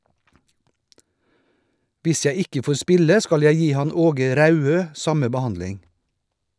Hvis jeg ikke får spille skal jeg gi han Åge Rauø samme behandling.